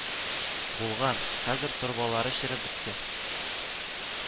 Булган, хәзер торбалары череп беткән